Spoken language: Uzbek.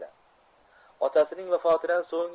otasining vafotidan so'ng